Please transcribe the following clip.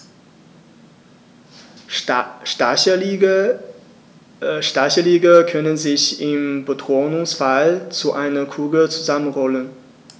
Stacheligel können sich im Bedrohungsfall zu einer Kugel zusammenrollen.